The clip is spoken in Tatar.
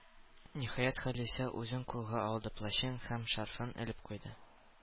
Ниһаять, Халисә үзен кулга алды, плащын һәм шарфын элеп куйды.